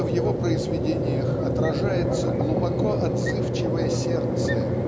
что в его произведениях отражается глубоко отзывчивое сердце